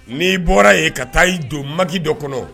N'i bɔra yen ka taa'i don manki dɔ kɔnɔ